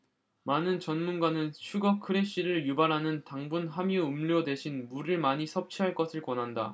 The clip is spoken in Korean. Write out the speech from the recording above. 많은 전문가는 슈거 크래시를 유발하는 당분 함유 음료 대신 물을 많이 섭취할 것을 권한다